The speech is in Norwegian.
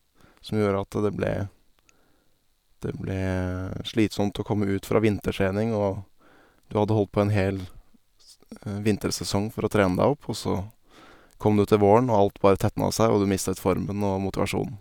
Som gjorde at det ble det ble slitsomt å komme ut fra vintertrening, og du hadde holdt på en hel s vintersesong for å trene deg opp, og så kom du til våren, og alt bare tetna seg, og du mistet formen og motivasjonen.